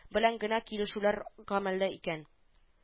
Белән генә килешүләр гамәлдә икән